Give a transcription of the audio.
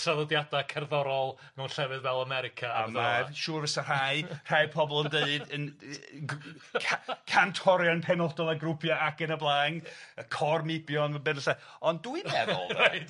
Traddodiada cerddorol mewn llefydd fel America fel 'a. Ma'n siŵr fysa rhai rhai pobl yn deud yn yy g- ca- cantorian penodol a grwpia' ac yn y blaen y cor mibion, m- be' fysa ond dwi'n meddwl... Reit.